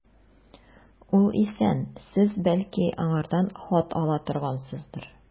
Ул исән, сез, бәлки, аңардан хат ала торгансыздыр.